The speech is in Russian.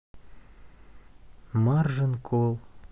маржин колл